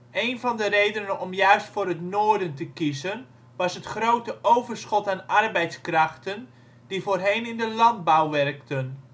Een van de redenen om juist voor het Noorden te kiezen was het grote overschot aan arbeidskrachten die voorheen in de landbouw werkten